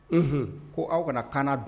Unhun ko aw kana kaana